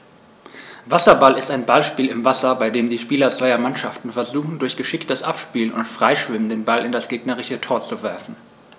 Wasserball ist ein Ballspiel im Wasser, bei dem die Spieler zweier Mannschaften versuchen, durch geschicktes Abspielen und Freischwimmen den Ball in das gegnerische Tor zu werfen.